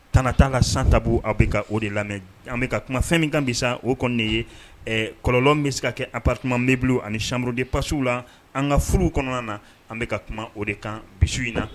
Tan t'a ka san tabu aw bɛ o de lamɛn an bɛ ka kuma fɛn min kan bi sa o kɔni ye kɔlɔnlɔn bɛ se ka kɛ apti m bila ani samuruuru de pasiw la an ka furu kɔnɔna na an bɛ ka kuma o de kan misi in na